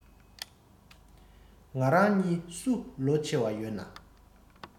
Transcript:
ང རང གཉིས སུ ལོ ཆེ བ ཡོད ན